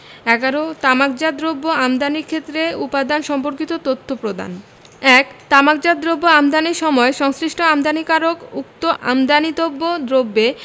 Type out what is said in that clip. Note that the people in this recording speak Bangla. ১১ তামাকজাত দ্রব্য আমদানির ক্ষেত্রে উপাদান সম্পর্কিত তথ্য প্রদানঃ ১ তামাকজাত দ্রব্য আমদানির সময় সংশ্লিষ্ট আমদানিকারক উক্ত আমদানিতব্য দ্রব্যে